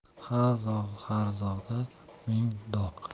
har zog' har zog'da ming dog'